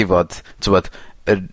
fod t'wod yn